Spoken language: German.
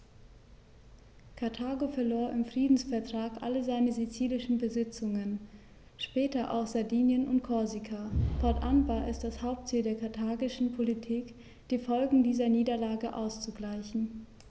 Karthago verlor im Friedensvertrag alle seine sizilischen Besitzungen (später auch Sardinien und Korsika); fortan war es das Hauptziel der karthagischen Politik, die Folgen dieser Niederlage auszugleichen.